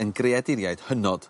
yn greaduriaid hynod